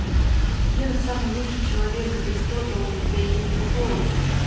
я самый лучший человек или кто то у тебя есть другой